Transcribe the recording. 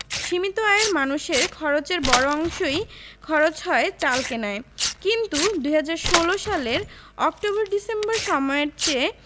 সীমিত আয়ের মানুষের খরচের বড় অংশই খরচ হয় চাল কেনায় কিন্তু ২০১৬ সালের অক্টোবর ডিসেম্বর সময়ের চেয়ে